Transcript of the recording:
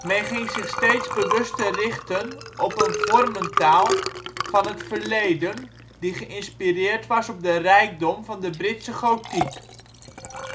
Men ging zich steeds bewuster richten op een vormentaal van het verleden die geïnspireerd was op de rijkdom van de Britse gotiek.